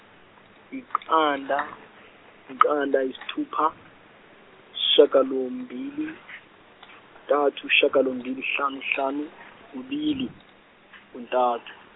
iqanda iqanda isithupha isishiyagalombili kuthathu isishiyagalombili kuhlanu kuhlanu kubili kuthathu.